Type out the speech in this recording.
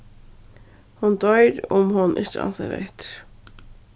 hon doyr um hon ikki ansar eftir